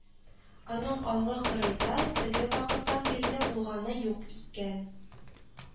Аның алгы кырыйда теге вакыттан бирле булганы юк икән